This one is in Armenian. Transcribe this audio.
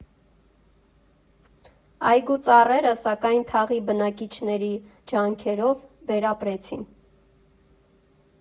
Այգու ծառերը, սակայն, թաղի բնակիչների ջանքերով, վերապրեցին։